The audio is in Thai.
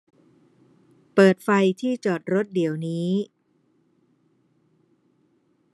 เปิดไฟที่จอดรถเดี๋ยวนี้